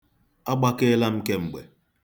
Agbakeela m kemgbe.